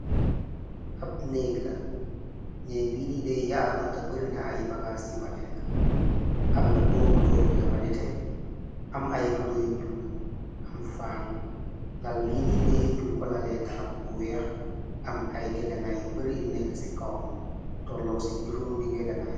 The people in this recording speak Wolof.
Ab neeg la neeg biini dee yaato na ta barina ay bagaas yi fa nekk amna toogu toog bi dafa neteh am ay rodo yu ñuul am faan lal biini dee ñu kolale darab bu weex am ay nyegenay yu bari yu nekk ci kawam tolloog ci juróo mi nyegenay.